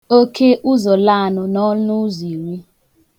okeụzọ̀lanụ n'ọnụụzọ̀ iri